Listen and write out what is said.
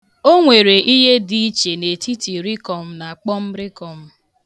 O nwere ihe dị iche n'etiti rịkọm na kpọm rịkọm.